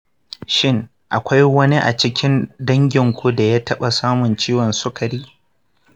shin akwai wani a cikin danginku da ya taɓa samun ciwon sukari?